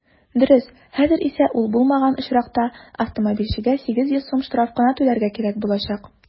Дөрес, хәзер исә ул булмаган очракта автомобильчегә 800 сум штраф кына түләргә кирәк булачак.